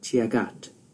tuag at